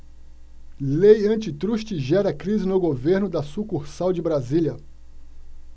lei antitruste gera crise no governo da sucursal de brasília